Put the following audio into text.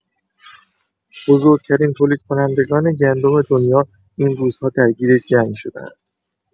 بزرگ‌ترین تولیدکنندگان گندم دنیا این روزها درگیر جنگ شده‌اند.